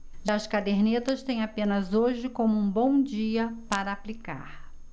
já as cadernetas têm apenas hoje como um bom dia para aplicar